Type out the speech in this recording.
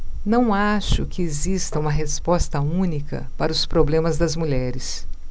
não acho que exista uma resposta única para os problemas das mulheres